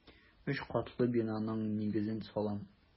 Өч катлы бинаның нигезен салам.